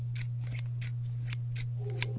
телеканал нтв